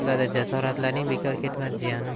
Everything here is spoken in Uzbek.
shivirladi jasoratlaring bekor ketmadi jiyanim